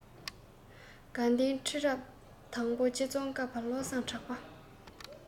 དགའ ལྡན ཁྲི རབས དང པོ རྗེ ཙོང ཁ པ བློ བཟང གྲགས པ